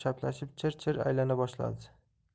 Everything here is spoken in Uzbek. chaplashib chir chir aylana boshladi